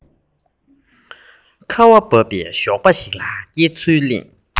ཁ བ བབས པའི ཞོགས པ ཞིག ལ སྐྱེ ཚུལ གླེང